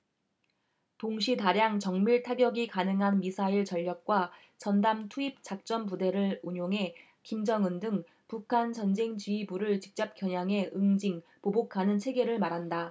동시 다량 정밀타격이 가능한 미사일 전력과 전담 투입 작전부대를 운용해 김정은 등 북한 전쟁지휘부를 직접 겨냥해 응징 보복하는 체계를 말한다